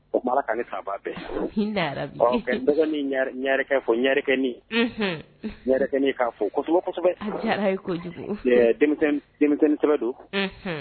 O mara ni fa bɛɛ ɲa fo ɲarikɛkɛ'a fɔ kosɛbɛ kosɛbɛ don